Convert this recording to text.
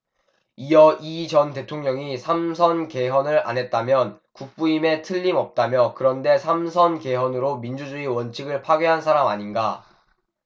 이어 이 전 대통령이 삼 선 개헌을 안했다면 국부임에 틀림없다며 그런데 삼 선 개헌으로 민주주의 원칙을 파괴한 사람 아닌가